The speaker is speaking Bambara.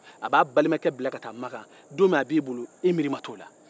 a b'a balimakɛ bila ka taa makan e miiri ma t'o la don min a tun bɛ e bolo